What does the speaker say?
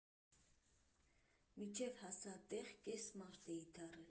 Մինչև հասա տեղ՝ կես մարդ էի դառել։